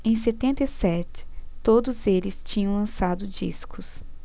em setenta e sete todos eles tinham lançado discos